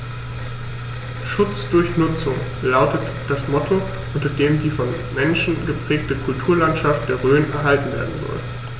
„Schutz durch Nutzung“ lautet das Motto, unter dem die vom Menschen geprägte Kulturlandschaft der Rhön erhalten werden soll.